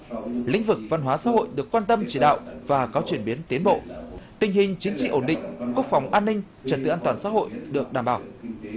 lĩnh vực văn hóa xã hội được quan tâm chỉ đạo và có chuyển biến tiến bộ tình hình chính trị ổn định quốc phòng an ninh trật tự an toàn xã hội được đảm bảo